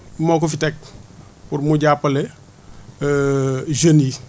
moo ko fi teg pour mu jàppale jeunes yi